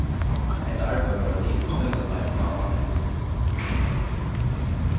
hetta arbeiðið má vera liðugt í seinasta lagi mánadagin